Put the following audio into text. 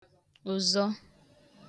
ụ̀zọ